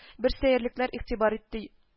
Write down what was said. Бер сәерлекләр ихтибар ити